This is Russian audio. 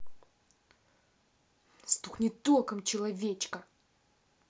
стукнет током человечка